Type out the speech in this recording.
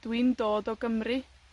Dwi'n dod o Gymru,